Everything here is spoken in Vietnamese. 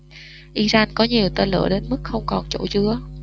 iran có nhiều tên lửa đến mức không còn chỗ chứa